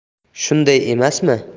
shunday emasmi